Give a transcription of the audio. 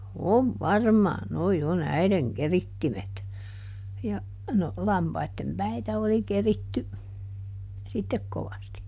on varmaan nuo on äidin keritsimet ja no lampaiden päitä oli keritty sitten kovasti